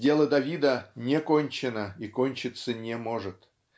Дело Давида не кончено и кончиться не может.